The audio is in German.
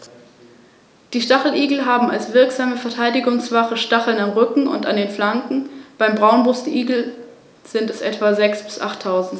Der römische Feldherr Scipio setzte nach Afrika über und besiegte Hannibal bei Zama.